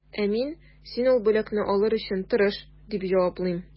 Ә мин, син ул бүләкне алыр өчен тырыш, дип җаваплыйм.